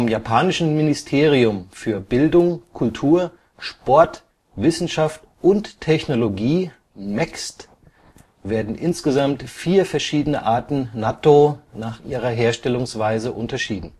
japanischen Ministerium für Bildung, Kultur, Sport, Wissenschaft und Technologie MEXT werden insgesamt vier verschiedene Arten Nattō nach ihrer Herstellungsweise unterschieden